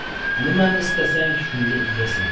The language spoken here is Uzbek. nimani istasang shunga egasan